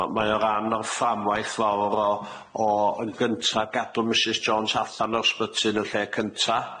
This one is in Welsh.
Ma' mae o ran o'r fframwaith fawr o o yn gynta gadw Misus Jones allan o'r sbyty yn y lle cynta